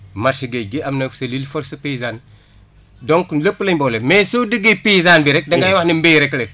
marché géej gii am na cellule force paysane donc lépp lañ boole mais soo déggee paysane bi rek da ngay wax ne mbéy rek la